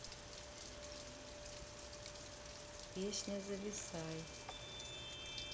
песня зависай